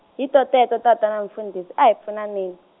hi toteto tatana Mufundhisi a hi pfunaneni.